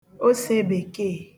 osèbèkèe